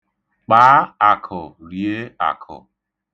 Kpaa akụ rie akụ.